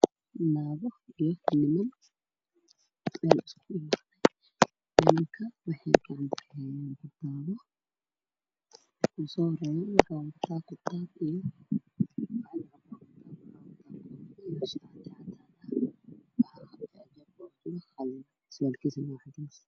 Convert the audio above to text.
Waa niman isugu jira odayaal iyo dhalinyaro waxay akhrinayaan kitaabka qur-aanka kuraas ayey ku fadhiyaan gabdho ayaa ka dambeeya